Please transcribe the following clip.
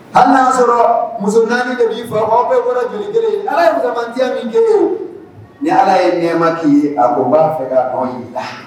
Hali n'a ya sɔrɔ muso 4 de b'i fa kɔ ou bien kɔnɔ joli 1 Ala ye fusamantiya min k'e ye o ni Ala ye nɛma k'i ye a kun b'a fɛ ka dɔn i da